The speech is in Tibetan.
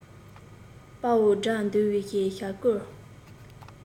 དཔའ བོ དགྲ འདུལ བའི ཞབས བསྐུལ